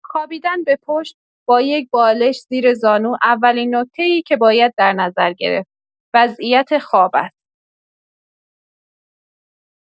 خوابیدن به پشت با یک بالش زیر زانو اولین نکته‌ای که باید در نظر گرفت، وضعیت خواب است.